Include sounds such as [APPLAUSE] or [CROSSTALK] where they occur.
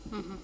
[HESITATION] [HESITATION]